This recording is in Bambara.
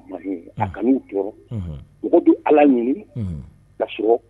Ɲini